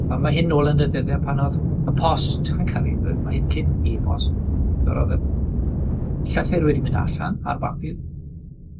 a ma' hyn nôl yn y ddyddie pan o'dd y post yn ca'l 'i yy ma' hyn cyn e-bost, so ro'dd y llythyr wedi mynd allan ar bapur.